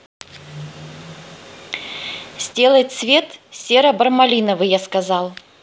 сделай цвет серо бармалиновый я сказал